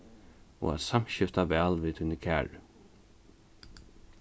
og at samskifta væl við tíni kæru